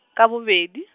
ka bobedi.